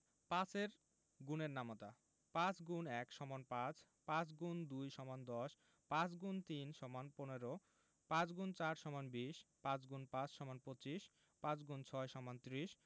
৫ এর গুণের নামতা ৫× ১ = ৫ ৫× ২ = ১০ ৫× ৩ = ১৫ ৫× ৪ = ২০ ৫× ৫ = ২৫ ৫x ৬ = ৩০